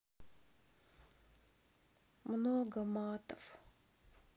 много матов